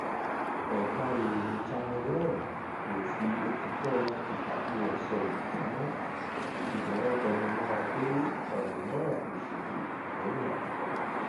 Ẹ̀ka ìròyìn Channel One ò fi òtítọ́ ìtàkùrọ̀sọ yìí pamọ́, ṣùgbọ́n wọ́n tẹnu mọ́ ọn pé ọ̀rọ̀ náà kò ṣègbè lẹ́yìn akọ.